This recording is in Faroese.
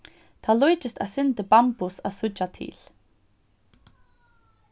tað líkist eitt sindur bambus at síggja til